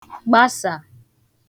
gbasà